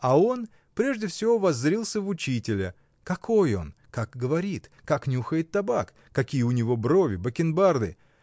А он прежде всего воззрился в учителя: какой он, как говорит, как нюхает табак, какие у него брови, бакенбарды